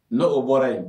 N'o bɔra yen